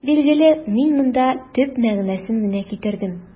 Билгеле, мин монда төп мәгънәсен генә китердем.